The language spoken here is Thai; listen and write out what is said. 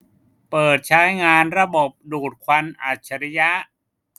เปิดใช้งานระบบดูดควันอัจฉริยะ